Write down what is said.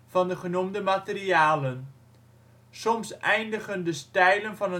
van de genoemde materialen. Soms eindigen de stijlen van